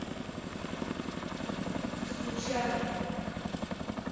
сучара